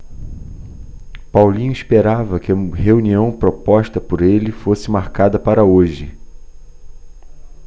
paulino esperava que a reunião proposta por ele fosse marcada para hoje